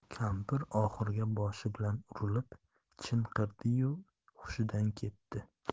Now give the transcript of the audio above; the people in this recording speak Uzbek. kampir oxurga boshi bilan urilib chinqirdi yu hushidan ketdi